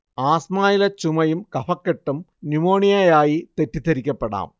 ആസ്മയിലെ ചുമയും കഫക്കെട്ടും ന്യുമോണിയയായി തെറ്റിദ്ധരിക്കപ്പെടാം